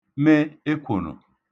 me ekwòṙò